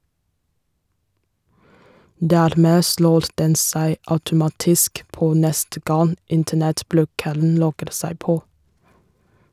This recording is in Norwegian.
Dermed slår den seg automatisk på neste gang internettbrukeren logger seg på.